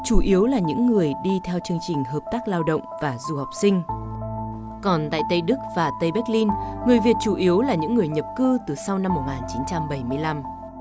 chủ yếu là những người đi theo chương trình hợp tác lao động và du học sinh còn tại tây đức và tây béc lin người việt chủ yếu là những người nhập cư từ sau năm một ngàn chín trăm bảy mươi lăm